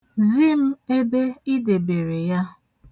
Zi m ebe i debere ya.